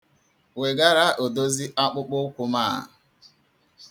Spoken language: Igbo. Wegara odozi akpụkpọụkwụ a.